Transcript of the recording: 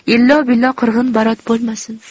illo billo qirg'inbarot bo'lmasin